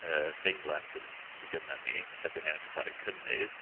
yr daenlen sy'n... sy gynnon ni lle dan ni'n edrych ar ein cynnydd.